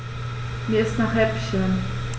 Mir ist nach Häppchen.